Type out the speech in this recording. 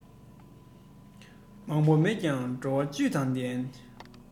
མང པོ མེད ཀྱང བྲོ བ བཅུད དང ལྡན